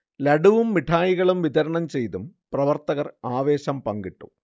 ലഡുവും മിഠായികളും വിതരണംചെയ്തും പ്രവർത്തകർ ആവേശം പങ്കിട്ടു